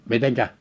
miten